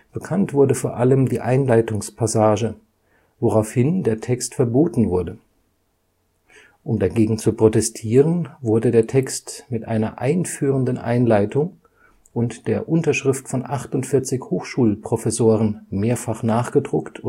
Bekannt wurde vor allem die Einleitungspassage, woraufhin der Text verboten wurde. Um dagegen zu protestieren, wurde der Text mit einer einführenden Einleitung und der Unterschrift von 48 Hochschulprofessoren mehrfach nachgedruckt